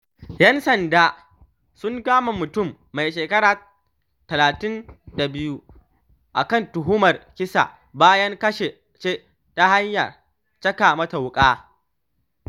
‘Yan sanda sun kama mutum, mai shekaru 32, a kan tuhumar kisa bayan kashe mace ta hanyar caka mata wuƙa